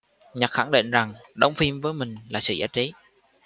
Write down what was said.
nhật khẳng định rằng đóng phim với mình là sự giải trí